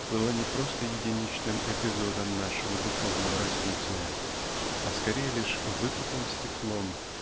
были не просто единичным эпизодом нашего духовного развития а скорее лишь выпуклым стеклом